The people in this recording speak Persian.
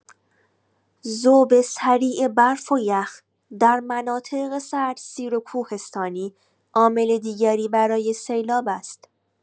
ذوب سریع برف و یخ در مناطق سردسیر و کوهستانی عامل دیگری برای سیلاب است.